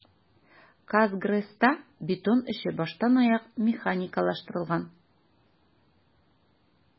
"казгрэс"та бетон эше баштанаяк механикалаштырылган.